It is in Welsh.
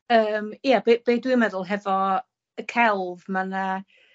Yym ie be' be' dwi'n meddwl hefo y celf ma' 'na